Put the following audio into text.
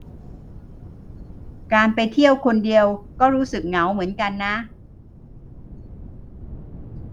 การไปเที่ยวคนเดียวก็รู้สึกเหงาเหมือนกันนะ